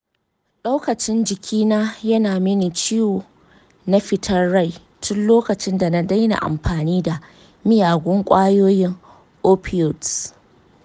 daukacin jikina yana mini ciwo na fitar rai tun lokacin da na daina amfani da miyagun ƙwayoyin opioids.